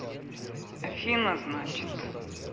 афина значит